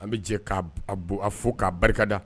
An bɛ jɛ' a fo k'a barikada